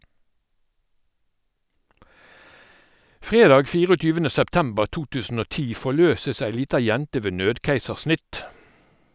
Fredag 24. september 2010 forløses ei lita jente ved nødkeisersnitt.